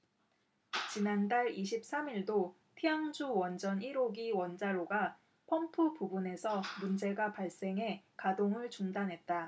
지난달 이십 삼 일도 티앙주 원전 일 호기 원자로가 펌프 부분에서 문제가 발생해 가동을 중단했다